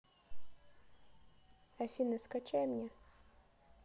афина скачай мне